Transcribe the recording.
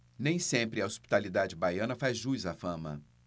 nem sempre a hospitalidade baiana faz jus à fama